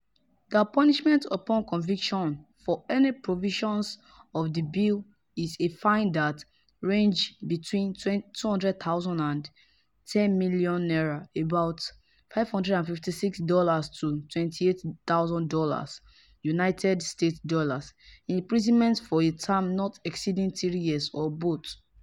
The punishment upon conviction for any provisions of the bill is a fine that ranges between 200,000 and 10 million naira [about $556 to $28,000 United States dollars], imprisonment for a term not exceeding three years or both.